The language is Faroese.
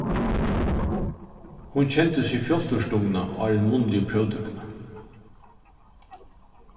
hon kendi seg fjálturstungna áðrenn munnligu próvtøkuna